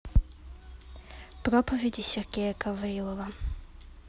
проповеди сергея гаврилова